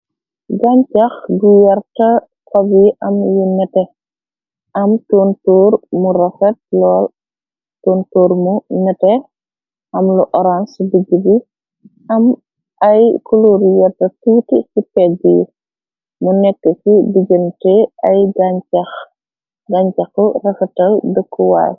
Gañcax gu warta favi am yu nete am tontoor mu rafet lool tontoor mu nete am lu oranc bigg bi am ay kuloru yerta tuuti ci peggi mu nekk ci bijante ay gañcaxu rafetal dëkku waal.